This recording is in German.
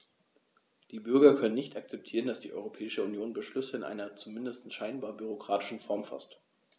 Die Bürger können nicht akzeptieren, dass die Europäische Union Beschlüsse in einer, zumindest scheinbar, bürokratischen Form faßt.